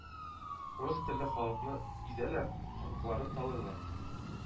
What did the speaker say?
«урыс телле халык»ны изәләр, хокукларын талыйлар,